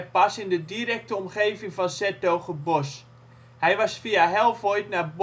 pas in de directe omgeving van ' s-Hertogenbosch. Hij was via Helvoirt naar